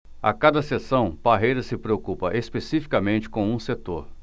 a cada sessão parreira se preocupa especificamente com um setor